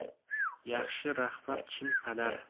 yaxshi rahbar chin padar